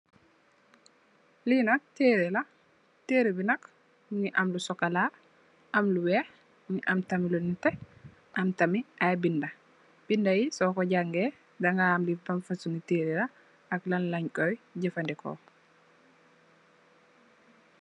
Li nak tare la tare bi nak mungi am lu socola am lu wex am tamit lu nete am ay binde binde Yi nak soko jange dinga xam nokoi jafandiko